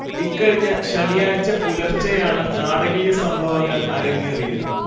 ഇക്കഴിഞ്ഞ ശനിയാഴ്ച പുലർച്ചയാണ് നാടകീയ സംഭവങ്ങൾ അരങ്ങറേിയത്